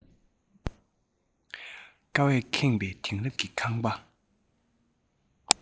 ཀ བས ཁེངས པས དེང རབས ཀྱི ཁང པ